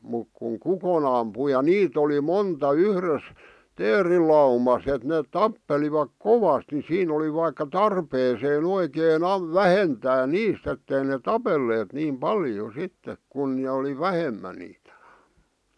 mutta kun kukon ampui ja niitä oli monta yhdessä teerilaumassa että ne tappelivat kovasti niin siinä oli vaikka tarpeeseen oikein - vähentää niistä että ei ne tapelleet niin paljon sitten kun ne oli vähemmän niitä